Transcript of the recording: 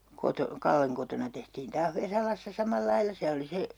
- Kallen kotona tehtiin taas Vesalassa samalla lailla